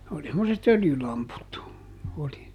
oli semmoiset öljylamput oli